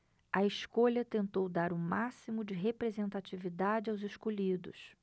a escolha tentou dar o máximo de representatividade aos escolhidos